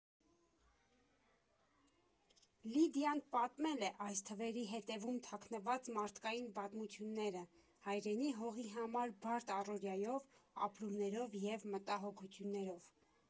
Լիդիան պատմել է այս թվերի հետևում թաքնված մարդկային պատմությունները՝ հայրենի հողի համար բարդ առօրյայով, ապրումներով և մտահոգություններով։